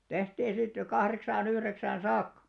tehtiin sitten kahdeksaan yhdeksään saakka